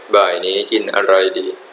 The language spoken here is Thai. บ่ายนี้กินอะไรดี